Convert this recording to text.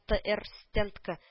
ТээР Стендка